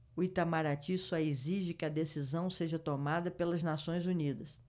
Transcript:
o itamaraty só exige que a decisão seja tomada pelas nações unidas